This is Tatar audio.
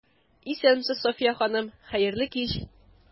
Исәнмесез, Сафия ханым, хәерле кич!